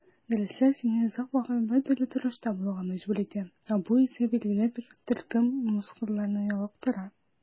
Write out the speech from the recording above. Дәресләр сине озак вакыт бертөрле торышта булырга мәҗбүр итә, ә бу исә билгеле бер төркем мускулларны ялыктыра.